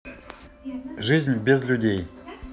жизнь без людей